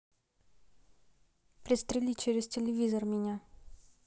пристрели через телевизор меня